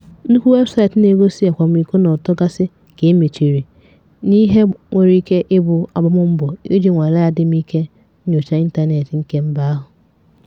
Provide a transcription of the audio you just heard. Nnukwu weebụsaitị na-egosi akwamiko na ọtọ gasị ka e mechiri, n'ihe nwere ike ịbụ agbamụmbọ iji nwalee adimike nnyocha ịntanetị nke mba ahụ.